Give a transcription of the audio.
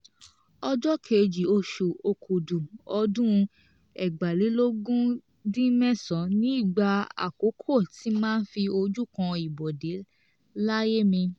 Ọjọ́ Kejì oṣù Òkudù ọdún 2011 ni ìgbà àkọ́kọ́ tí màá fi ojú kan ibodè láyé mi.